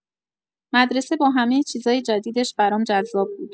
مدرسه با همه چیزهای جدیدش برام جذاب بود.